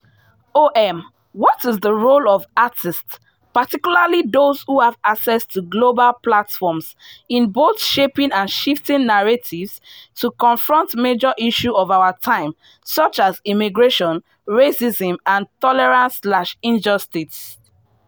OM: What is the role of artists, particularly those who have access to global platforms in both shaping and shifting narratives to confront major issues of our time, such as immigration, racism and intolerance/injustice?